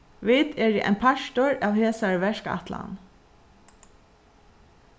vit eru ein partur av hesari verkætlan